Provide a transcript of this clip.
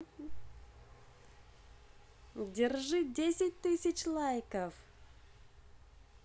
держи десять тысяч лайков